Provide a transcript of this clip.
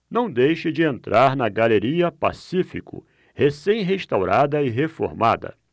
não deixe de entrar na galeria pacífico recém restaurada e reformada